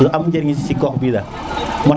lu am njëriñ ci gox bi la